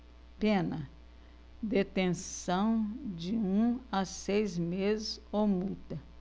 pena detenção de um a seis meses ou multa